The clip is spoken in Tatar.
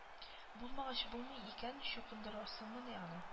Булмагач булмый икән чукындырасыңмыни аны